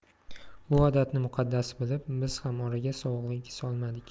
bu odatni muqaddas bilib biz ham oraga sovuqlik solmadik